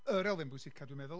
yr elfen bwysigaf, dwi'n meddwl,